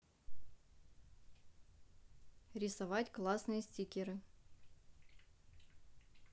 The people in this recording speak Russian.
рисовать классные стикеры